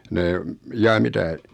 ne jaa mitä